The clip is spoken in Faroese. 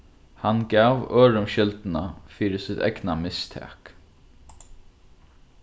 hann gav øðrum skyldina fyri sítt egna mistak